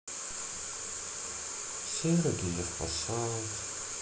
сергиев посад